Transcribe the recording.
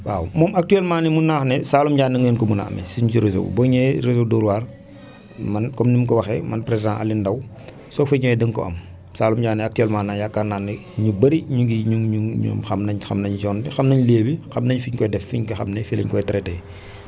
waaw moom actuellement nii mun naa wax ne Saalum Diané ngeen ko mën a amee suñ ci réseau ba boo ñëwee réseau Dóor waar mën comme ni nga ko waxee man président Alioune Ndao soo fa ñëwee di nga ko am Saalum Diané actuellement yaakaar naa ni ñu bëri ñi ngi ñu ngi xam nañ xam nañ zone bi xam nañ lieu bi xam nañ fi ñu koy def fi nga xam ne fii la ñu koy traité